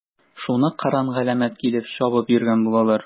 Шуны кыран-галәмәт килеп чабып йөргән булалар.